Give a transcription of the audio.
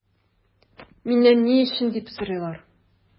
Миннән “ни өчен” дип сорыйлар.